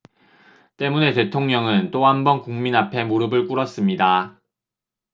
때문에 대통령은 또 한 번 국민 앞에 무릎을 꿇었습니다